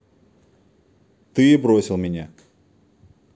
ты бросил меня